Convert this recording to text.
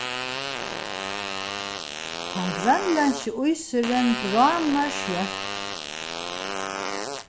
tann grønlendski ísurin bráðnar skjótt